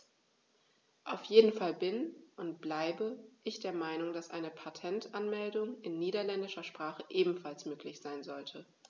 Auf jeden Fall bin - und bleibe - ich der Meinung, dass eine Patentanmeldung in niederländischer Sprache ebenfalls möglich sein sollte.